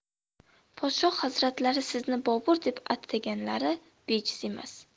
podshoh hazratlari sizni bobur deb ataganlari bejiz emas